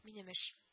Минем эш